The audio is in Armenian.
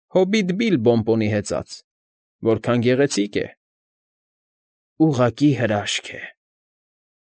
Հոբիտ Բիլբոն պոնի հեծած…. Որքա՜ն գեղեցիկ է.. ֊ Ուղղակի հրաշք է։